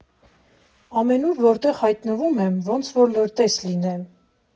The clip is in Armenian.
Ամենուր, որտեղ հայտնվում եմ, ոնց որ լրտես լինեմ։